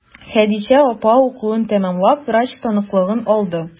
Хәдичә апа укуын тәмамлап, врач таныклыгы алды.